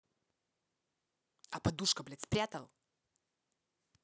а подушка блядь спрятал